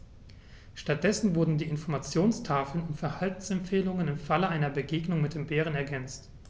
Stattdessen wurden die Informationstafeln um Verhaltensempfehlungen im Falle einer Begegnung mit dem Bären ergänzt.